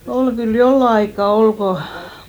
oli kyllä jollakin aikaa oli kun